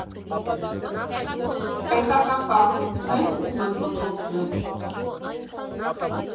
ՊԵՏԱԿԱՆ ԿԱՌՈՒՅՑՆԵՐ ՈՒ ԲԶԲԶՈՑՆԵՐ։